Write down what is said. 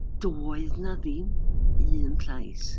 Doedd 'na ddim un llais.